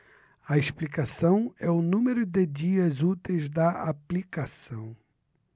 a explicação é o número de dias úteis da aplicação